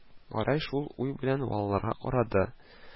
Гәрәй шул уйлар белән балаларга карады